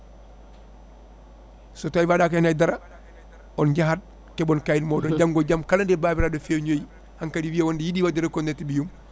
so tawi waɗaka hen haydara on jaayat keeɓon kayi moɗon janggo e jaam kala de babiraɗo feñoyi hankkadi wiya yiiɗi wadde reconnaitre ɓiiyum